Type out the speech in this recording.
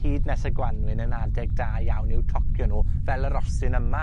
hyd nes y Gwanwyn yn adeg da iawn i'w tocio nw, fel y rosyn yma,